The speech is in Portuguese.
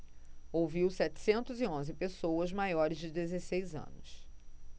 ouviu setecentos e onze pessoas maiores de dezesseis anos